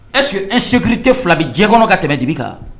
Eseke e segukili tɛ fila bi jɛ kɔnɔ ka tɛmɛ dibi kan